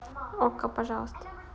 okko пожалуйста